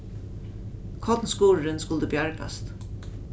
kornskurðurin skuldi bjargast